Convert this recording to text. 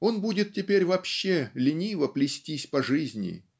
Он будет теперь вообще лениво плестись по жизни